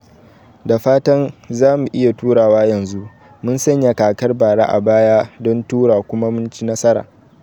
Da fatan, za mu iya turawa yanzu, mu sanya kakar bara a baya don kuma mu ci nasara."